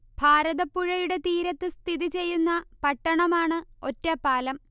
ഭാരതപ്പുഴയുടെ തീരത്ത് സ്ഥിതി ചെയ്യുന്ന പട്ടണമാണ് ഒറ്റപ്പാലം